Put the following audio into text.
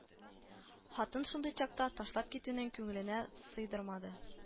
Хатын шундый чакта ташлап китүне күңеленә сыйдырмады